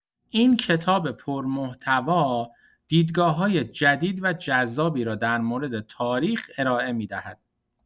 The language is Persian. این کتاب پرمحتوا، دیدگاه‌های جدید و جذابی را در مورد تاریخ ارائه می‌دهد.